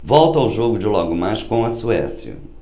volto ao jogo de logo mais com a suécia